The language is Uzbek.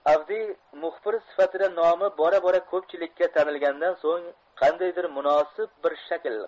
avdiy muxbir sifatida nomi bora bora ko'pchilikka tanilgandan so'ng qandaydir munosib bir shakl